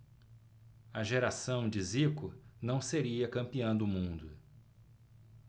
a geração de zico não seria campeã do mundo